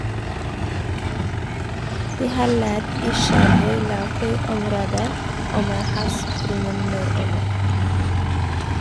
De har lett i Skjervøy-Laukøy-området, og med havstrømmen nordover.